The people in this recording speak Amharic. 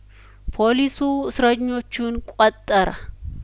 ፖሊሱ እስረኞቹን ቆጠረ